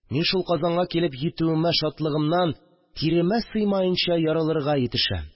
Мин шул Казанга килеп йитүемә шатлыгымнан тиремә сыймаенча ярылырга җитешәм